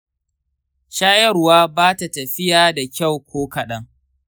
shayarwa ba ta tafiya da kyau ko kaɗan.